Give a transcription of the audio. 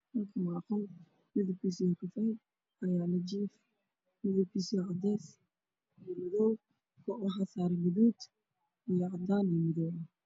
Halkaan waa qol midabkiisa waa kafee